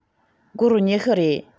སྒོར ཉི ཤུ རེད